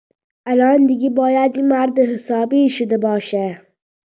الان دیگه باید یه مرد حسابی شده باشه.